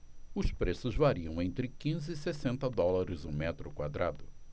os preços variam entre quinze e sessenta dólares o metro quadrado